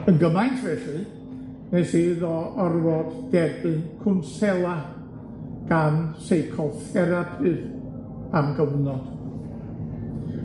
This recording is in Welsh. Yn gymaint felly, nes iddo orfod derbyn cwnsela gan seicotherapydd am gyfnod.